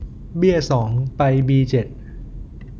เบี้ยสองไปบีเจ็ด